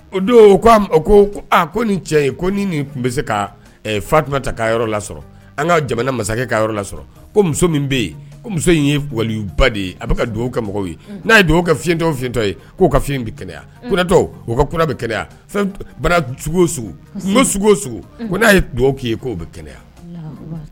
O don ko ko ni cɛ ye ko tun bɛ se ka fatuma ta ka yɔrɔ lasɔrɔ an ka jamana masakɛ ka yɔrɔ la muso bɛ muso in yeli ba de a bɛ dugawu kɛ mɔgɔw ye n'a ye dugawu ka fiɲɛtɔtɔ ye k'o fiɲɛ bɛ kɛnɛyayatɔ ka bɛ kɛnɛya fɛn bana ko n'a ye' ye k'o bɛ kɛnɛyaya